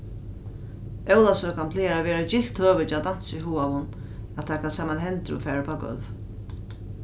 ólavsøkan plagar at vera eitt gylt høvi hjá dansihugaðum at taka saman hendur og fara upp á gólv